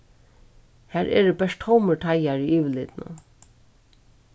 har eru bert tómir teigar í yvirlitinum